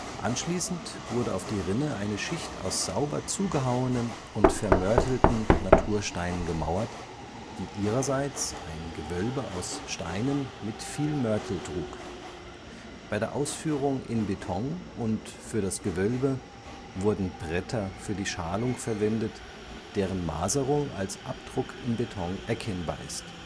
Anschließend wurde auf die Rinne eine Schicht aus sauber zugehauenen und vermörtelten Natursteinen gemauert, die ihrerseits ein Gewölbe aus Steinen mit viel Mörtel trug. Bei der Ausführung in Beton und für das Gewölbe wurden Bretter für die Schalung verwendet, deren Maserung als Abdruck im Beton erkennbar ist